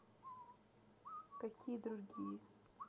какие другие